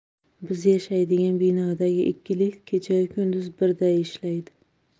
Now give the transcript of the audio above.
biz yashaydigan binodagi ikki lift kechayu kunduz birday ishlaydi